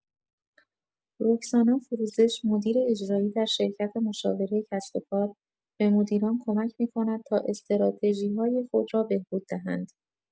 رکسانا فروزش، مدیر اجرایی در شرکت مشاوره کسب‌وکار، به مدیران کمک می‌کند تا استراتژی‌های خود را بهبود دهند.